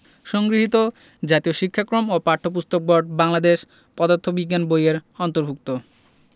সংগৃহীত জাতীয় শিক্ষাক্রম ও পাঠ্যপুস্তক বর্ড বাংলাদেশ পদার্থ বিজ্ঞান বই এর অন্তর্ভুক্ত